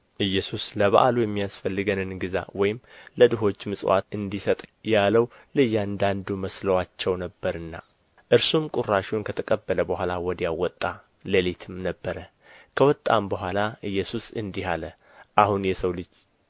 ኢየሱስ ለበዓሉ የሚያስፈልገንን ግዛ ወይም ለድሆች ምጽዋት እንዲሰጥ ያለው ለአንዳንዱ መስሎአቸው ነበርና እርሱም ቍራሹን ከተቀበለ በኋላ ወዲያው ወጣ ሌሊትም ነበረ ከወጣም በኋላ ኢየሱስ እንዲ አለ አሁን የሰው ልጅ